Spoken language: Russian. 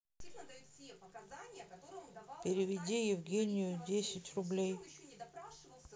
переведи евгению десять рублей